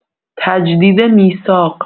تجدیدمیثاق